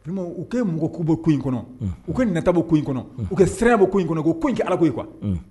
ko in kɔnɔ, u ka nata bɛ ko in kɔnɔ, u kɛ sira bɛ ko in kɔnɔ, ko in tɛ allah ko ye quoi unhun.